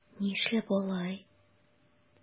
Нишләп алай?